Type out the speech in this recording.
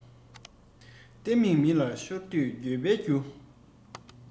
ལྡེ མིག མི ལ ཤོར དུས འགྱོད པའི རྒྱུ